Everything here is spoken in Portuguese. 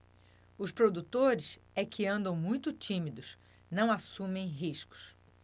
os produtores é que andam muito tímidos não assumem riscos